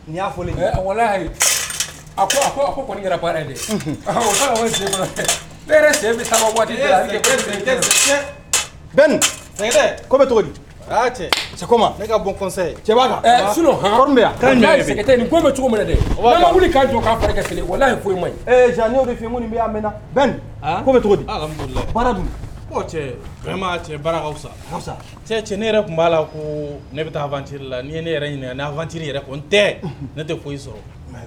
N y'a fɔ a ko a waati cogo di cɛ ne ka bɔ cɛba'a sun bɛ cogo minɛ dɛ' jɔ wala eee ne bɛ fi' mɛn cogo dun cɛkaw sa ne yɛrɛ tun b'a la ko ne bɛ taa la ni ye ne yɛrɛ ɲini n' yɛrɛ ko n tɛ ne tɛ foyi sɔrɔ